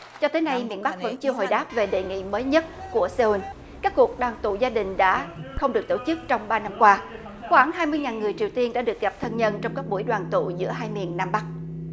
cho tới nay miền bắc vẫn chưa hồi đáp về đề nghị mới nhất của sê un các cuộc đoàn tụ gia đình đã không được tổ chức trong ba năm qua khoảng hai mươi ngàn người triều tiên đã được gặp thân nhân trong các buổi đoàn tụ giữa hai miền nam bắc